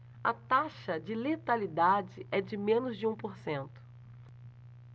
a taxa de letalidade é de menos de um por cento